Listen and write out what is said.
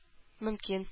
Мөмкин